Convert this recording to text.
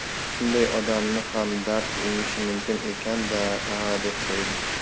shunday odamni ham dard yengishi mumkin ekan da a deb qo'ydi